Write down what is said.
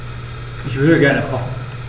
Ich würde gerne kochen.